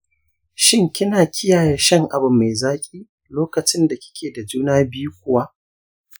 shin kina kiyaye shan abu mai zaƙi lokacin dakike da juna biyu kuwa?